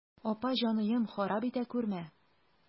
Апа җаныем, харап итә күрмә.